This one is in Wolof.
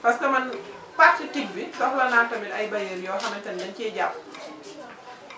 parce que man partie TIC bi soxla naa tamit ay bailleurs yoo xamante ne dañ ciy jàpp